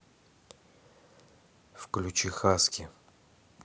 включи хаски